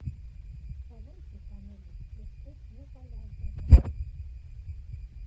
Բա ո՞նց ենք անելու, ֊ լսվեց մեկ այլ արձագանք։